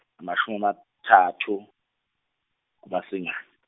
amashumi amathathu uMasingane.